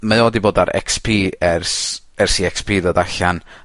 mae o 'di bod ar ecs pee ers, ers i ecs pee ddod allan.